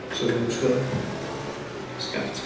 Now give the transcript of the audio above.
So ma' nhw'n gwisgo sgert.